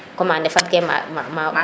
commande ne fad ke ma ma